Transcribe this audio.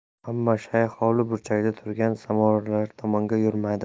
ammo shayx hovli burchagida turgan samovarlar tomonga yurmadi